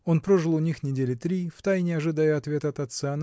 он прожил у них недели три, втайне ожидая ответа от отца